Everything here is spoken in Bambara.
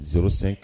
Zouru sen